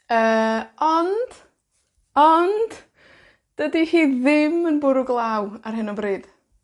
Yy, ond ond dydi hi ddim yn bwrw glaw ar hyn o bryd.